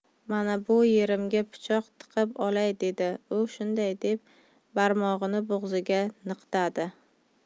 mana bu yerimga pichoq tiqib olay dedi u shunday deb barmog'ini bo'g'ziga niqtadi